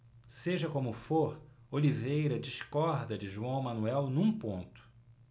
seja como for oliveira discorda de joão manuel num ponto